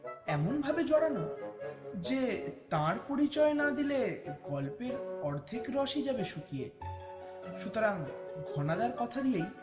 এমন ভাবে জড়ানো যে তার পরিচয় না দিলে গল্পের অর্ধেক রসই যাবে শুকিয়ে সুতরাং ঘনাদার কথা দিয়েই